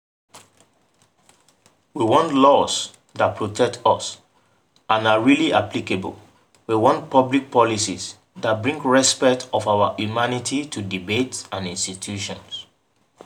We want laws that protect us and are really applicable, we want public policies that bring respect of our humanity to debates and institutions.